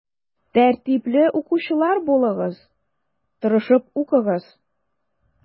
Тәртипле укучылар булыгыз, тырышып укыгыз.